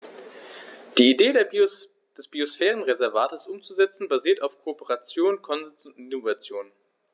Die Idee des Biosphärenreservates umzusetzen, basiert auf Kooperation, Konsens und Innovation.